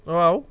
waaw